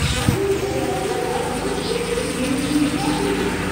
Àmì ẹ̀yẹ wúrà Òlíńpìkì mi ni Robbie.”